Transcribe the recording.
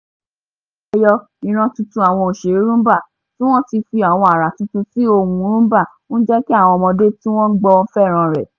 Ìjẹyọ ìran tuntun àwọn òṣèrè Rhumba tí wọ́n ti fi àwọn àrà tuntun sí ohùn Rhumba ń jẹ kí àwọn ọmọdé tí wọ́n ń gbọ fẹ́ràn rẹ̀.